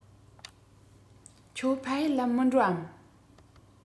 ཁྱོད ཕ ཡུལ ལ མི འགྲོ འམ